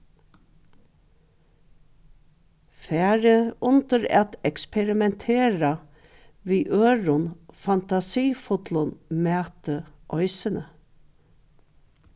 farið undir at eksperimentera við øðrum fantasifullum mati eisini